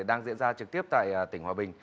đang diễn ra trực tiếp tại tỉnh hòa bình